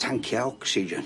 Tancia ocsigen.